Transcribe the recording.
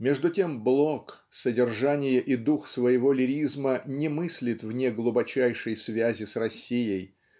Между тем Блок содержание и дух своего лиризма не мыслит вне глубочайшей связи с Россией